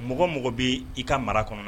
Mɔgɔ mɔgɔ bɛ i ka mara kɔnɔ